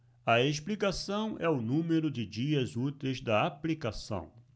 a explicação é o número de dias úteis da aplicação